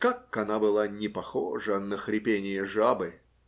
Как она была не похожа на хрипение жабы!